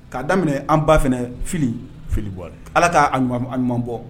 K'a daminɛ an ba f fili filiwa ala k'a ɲuman bɔ